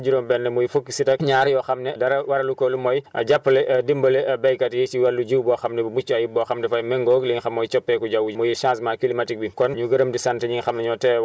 waaye déwén ñu fas yéene jël yeneen juróom-benn muy fukki sites ak ñaar yoo xam ne dara warulu ko lu moy jàppale dimbale béykat yi si wàllu jiw boo xam ne bu mucc ayib boo xam dafay méngóo li nga xam mooy coppeeku jaww ji muy changement climatique bi